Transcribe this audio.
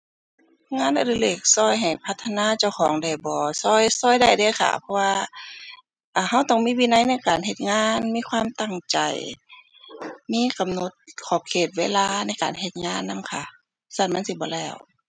งานอดิเรกช่วยให้พัฒนาเจ้าของได้บ่ ช่วย ช่วยได้เดะค่ะ เพราะว่า อ่า ช่วยต้องมีวินัยในการเฮ็ดงาน มีความตั้งใจ มีกำหนดขอบเขตเวลาในการเฮ็ดงานนำค่ะ ซั้นมันสิบ่แล้ว